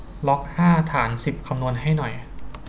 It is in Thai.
ล็อกห้าฐานสิบคำนวณให้หน่อย